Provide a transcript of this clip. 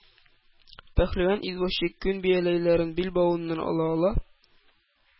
Пәһлеван извозчик күн бияләйләрен билбавыннан ала-ала: